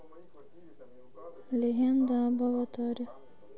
легенда об аватаре